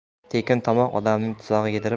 tekin tomoq odamning tuzog'i